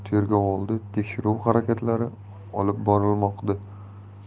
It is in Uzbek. tergovoldi tekshiruv harakatlari olib borilmoqda